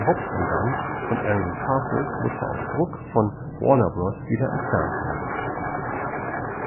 Haupteingang von Alnwick Castle musste auf Druck von Warner Bros. wieder entfernt werden.